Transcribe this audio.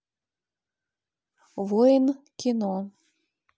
воин кино